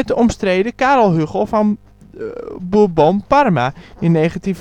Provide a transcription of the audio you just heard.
omstreden Karel Hugo van Bourbon-Parma (1964), die